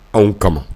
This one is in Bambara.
Anw kama